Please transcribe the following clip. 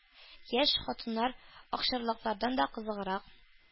Яшь хатыннар акчарлаклардан да кызыграк,